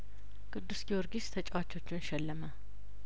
ቅዱስ ጊዮርጊስ ተጫዋቾቹን ሸለመ